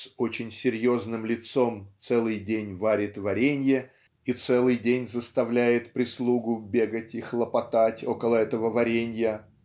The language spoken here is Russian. с очень серьезным лицом целый день варит варенье и целый день заставляет прислугу бегать и хлопотать около этого варенья